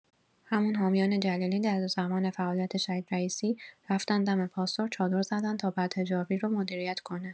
همون حامیان جلیلی در زمان فعالیت شهید رئیسی رفتند دم پاستور چادر زدن تا بدحجابی رو مدیریت کنه.